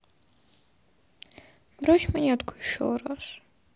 брось монетку еще раз